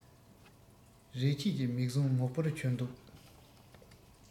རེ ཆད ཀྱི མིག ཟུང མོག པོར གྱུར འདུག